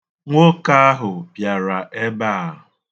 Nwoke ahụ bịara ebe a